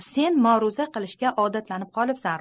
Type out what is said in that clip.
sen maruza qilishga odatlanib qolibsan